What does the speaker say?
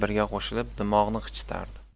birga qo'shilib dimog'ni qichitardi